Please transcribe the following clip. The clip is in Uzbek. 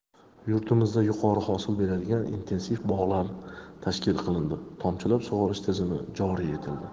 yurtimizda yuqori hosil beradigan intensiv bog'lar tashkil qilindi tomchilatib sug'orish tizimi joriy etildi